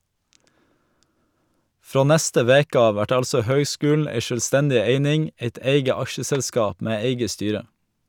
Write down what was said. Frå neste veke av vert altså høgskulen ei sjølvstendig eining, eit eige aksjeselskap med eige styre.